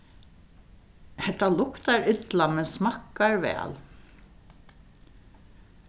hetta luktar illa men smakkar væl